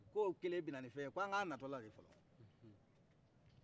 k'o kelen bɛ na ni fɛ ye kan ka na tɔla ye fɔlɔ